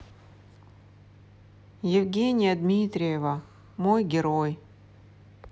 евгения дмитриева мой герой